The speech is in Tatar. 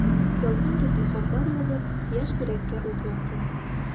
Ялкын төсле хатлар язып, яшь йөрәккә ут яктың.